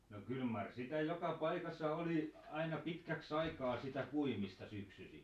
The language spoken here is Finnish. no kyllä mar sitä joka paikassa oli aina pitkäksi aikaa sitä puimista syksyksi